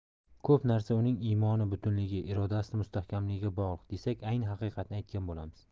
ko'p narsa uning imoni butunligi irodasi mustahkamligiga bog'liq desak ayni haqiqatni aytgan bo'lamiz